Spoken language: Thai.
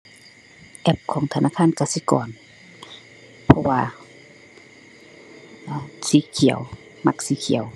แอปของธนาคารกสิกร เพราะว่า มัก สีเขียว มักสีเขียว